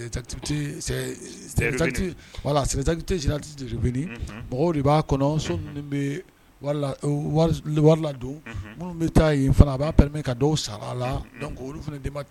De b'a kɔnɔ minnu warila don minnu bɛ taa yen fana a b'ame ka dɔw sara la olu fana de ma